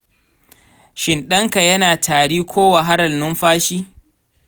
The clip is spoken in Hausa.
shin ɗanka yana tari ko wahalar numfashi?